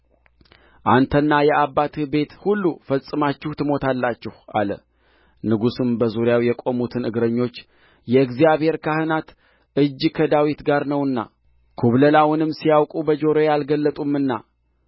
አንተና የአባትህ ቤት ሁሉ ፈጽማችሁ ትሞታላችሁ አለ ንጉሡም በዙሪያው የቆሙትን እግረኞች የእግዚአብሔር ካህናት እጅ ከዳዊት ጋር ነውና ኵብለላውንም ሲያውቁ በጆሮዬ አልገለጡምና